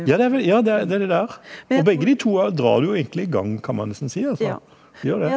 ja det er vel ja det det er det det er, og begge de to drar det jo egentlig i gang kan man nesten si altså, de gjør det.